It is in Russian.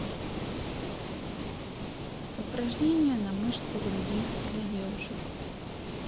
упражнения на мышцы груди для девушек